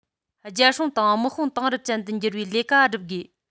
རྒྱལ སྲུང དང དམག དཔུང དེང རབས ཅན དུ འགྱུར བའི ལས ཀ བསྒྲུབ དགོས